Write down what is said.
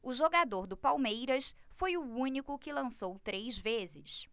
o jogador do palmeiras foi o único que lançou três vezes